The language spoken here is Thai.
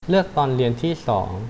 เลือกตอนเรียนที่สอง